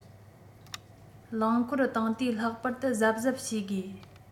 རླངས འཁོར བཏང དུས ལྷག པར དུ གཟབ གཟབ བྱེད དགོས